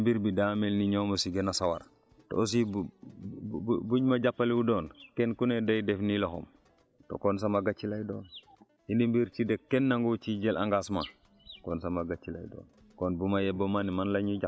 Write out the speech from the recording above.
ndax ma ne bu ma tuddee mbir bi daa mel ni ñoom ñoo si gën a sawar te aussi bu bu buñ ma jàppalewul woon kenn ku ne day def nii loxoom te kon sama gàcce lay doon ñu ne mbir ci dëkk kenn nanguwul ci jël engagement kon sama gàcce lay doon